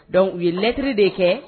Dɔnku u yelɛttiriri de kɛ